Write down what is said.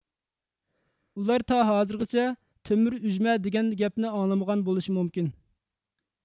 ئۇلار تاھازىرغىچە تۆمۈر ئۇژمە دېگەن گەپنى ئاڭلىمىغان بولۇشى مۇمكىن